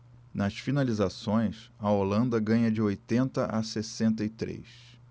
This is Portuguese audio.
nas finalizações a holanda ganha de oitenta a sessenta e três